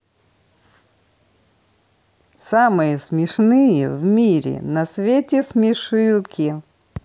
самые смешные в мире на свете смешилки